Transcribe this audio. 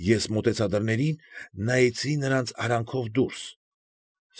Ես մոտեցա դռներին, նայեցի նրանց արանքով դուրս։